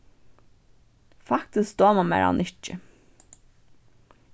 faktiskt dámar mær hann ikki